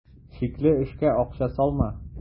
Шикле эшкә акча салма.